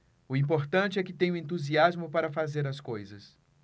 o importante é que tenho entusiasmo para fazer as coisas